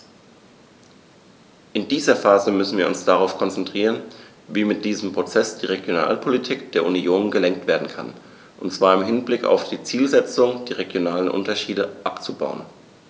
In dieser Phase müssen wir uns darauf konzentrieren, wie mit diesem Prozess die Regionalpolitik der Union gelenkt werden kann, und zwar im Hinblick auf die Zielsetzung, die regionalen Unterschiede abzubauen.